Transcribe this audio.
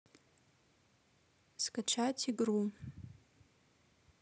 скачать игру